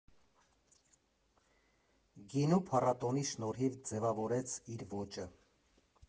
Գինու փառատոնի շնորհիվ ձևավորեց իր ոճը։